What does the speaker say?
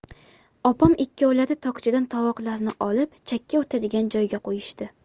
opam ikkovlari tokchadan tovoqlarni olib chakka o'tadigan joyga qo'yishdi